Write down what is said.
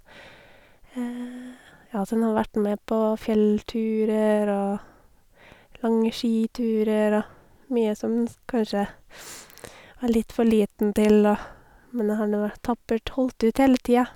Ja, den har vært med på fjellturer og lange skiturer og mye som s den kanskje var litt for liten til og, men den har nå h tappert holdt ut hele tida.